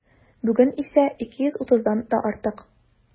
Бүген исә 230-дан да артык.